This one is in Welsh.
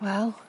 Wel.